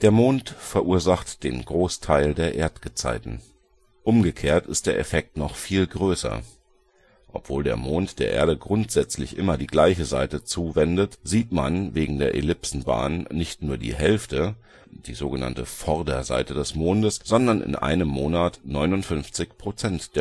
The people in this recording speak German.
Mond verursacht den Großteil der Erdgezeiten. Umgekehrt ist der Effekt noch viel größer. Obwohl der Mond der Erde grundsätzlich immer die gleiche Seite zuwendet, sieht man wegen der Ellipsenbahn nicht nur die Hälfte (die sog. „ Vorderseite “) des Mondes, sondern in einem Monat 59 %